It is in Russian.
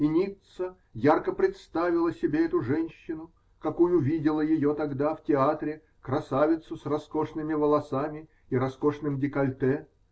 И Ницца ярко представила себе эту женщину, какою видела ее тогда в театре, -- красавицу с роскошными волосами и роскошным декольте.